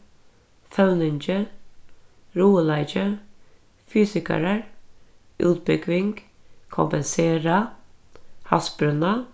føvningi ruðuleiki fysikarar útbúgving kompensera havsbrúnna